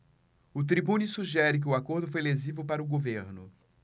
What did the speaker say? o tribune sugere que o acordo foi lesivo para o governo